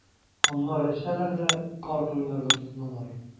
Аннары эчәләр дә карта уйнарга тотыналар.